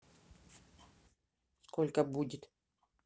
сколько будет